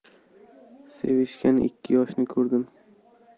sevishgan ikki yoshni ko'rdim